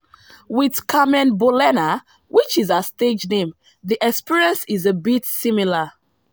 With Carmen Bolena, which is her stage name, the experience is a bit similar.